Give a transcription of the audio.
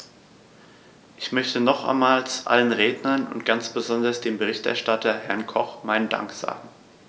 Ich möchte nochmals allen Rednern und ganz besonders dem Berichterstatter, Herrn Koch, meinen Dank sagen.